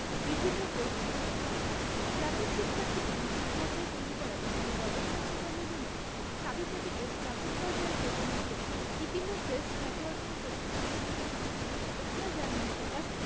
বিভিন্ন course offer করে স্নাতক শিক্ষার্থী এবং শিক্ষকদের তৈরি করা বিভিন্ন গবেষণা প্রোগ্রামের জন্য সাবিপ্রবি এর স্নাতক পর্যায়ের প্রগ্রামগুলো ইতোমধ্যে খ্যাতি অর্জন করেছে এটি বিভিন্ন গবেষণা জার্নাল প্রকাশ